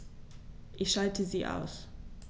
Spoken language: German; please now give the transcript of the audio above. Ich schalte sie aus.